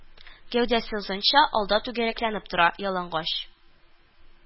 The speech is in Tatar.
Гәүдәсе озынча, алда түгәрәкләнеп тора, ялангач